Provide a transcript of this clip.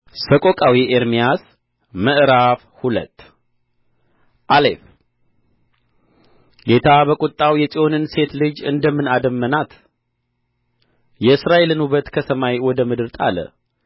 ሰቆቃዊ ኤርምያስ ምዕራፍ ሁለት አሌፍ ጌታ በቍጣው የጽዮንን ሴት ልጅ እንደ ምን አደመናት የእስራኤልን ውበት ከሰማይ ወደ ምድር ጣለ